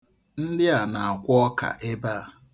Ndị a na-akwọ ọka ebe a.